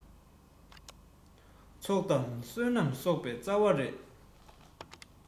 ཚོགས དང བསོད ནམས གསོག པའི རྩ བ རེད